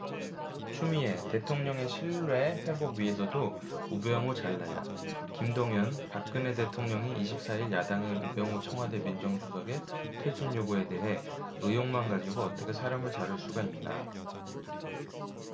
추미애 대통령에 신뢰 회복위해서도 우병우 잘라야김동현 박근혜 대통령이 이십 사 일 야당의 우병우 청와대 민정수석의 퇴진요구에 대해 의혹만 가지고 어떻게 사람을 자를 수가 있나